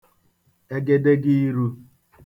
egedege irū